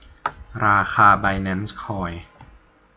ราคาไบแนนซ์คอย